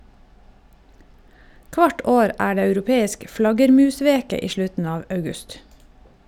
Kvart år er det europeisk flaggermusveke i slutten av august.